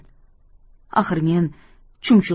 axir men chumchuq